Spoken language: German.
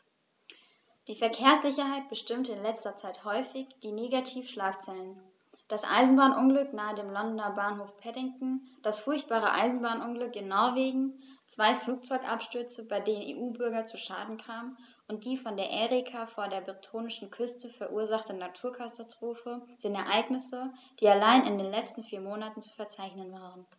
Die Verkehrssicherheit bestimmte in letzter Zeit häufig die Negativschlagzeilen: Das Eisenbahnunglück nahe dem Londoner Bahnhof Paddington, das furchtbare Eisenbahnunglück in Norwegen, zwei Flugzeugabstürze, bei denen EU-Bürger zu Schaden kamen, und die von der Erika vor der bretonischen Küste verursachte Naturkatastrophe sind Ereignisse, die allein in den letzten vier Monaten zu verzeichnen waren.